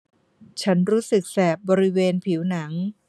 ฉันรู้สึกแสบบริเวณผิวหนัง